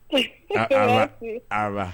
Aa aala